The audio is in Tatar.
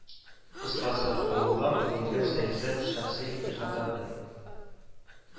Кыскасы, авылга бүгенге сәясәт шәхси ихатада